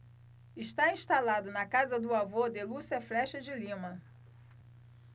está instalado na casa do avô de lúcia flexa de lima